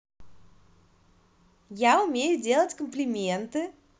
я умею делать комплименты